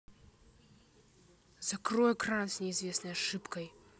закрой экран с неизвестной ошибкой